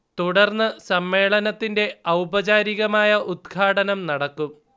തുടർന്ന് സമ്മേളനത്തിന്റെ ഔപചാരികമായ ഉത്ഘാടനം നടക്കും